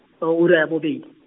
o ura ya bobedi.